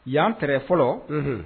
Yan tɛrɛ fɔlɔ, unhun.